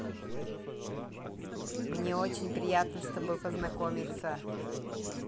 мне очень приятно с тобой познакомиться